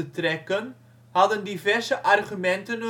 trekken hadden diverse argumenten